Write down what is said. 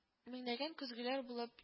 Меңнәгән көзгеләр булып